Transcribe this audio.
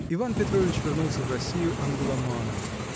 Иван Петрович вернулся в Россию англоманом.